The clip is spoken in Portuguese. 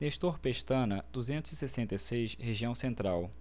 nestor pestana duzentos e sessenta e seis região central